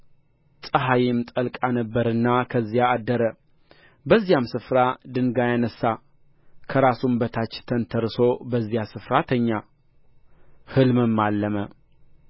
ፀሐይም ጠልቃ ነበርና ከዚያ አደረ በዚያም ስፍራ ድንጋይ አነሣ ከራሱም በታች ተንተርሶ በዚያ ስፍራ ተኛ ሕልምም አለመ